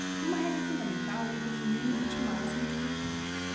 uma regra fundamental é definir um limite máximo de consumo